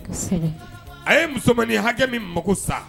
kosɛbɛ A ye musomannin hakɛ min mako sa